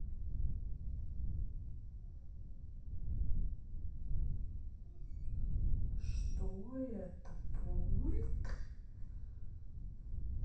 что это пульт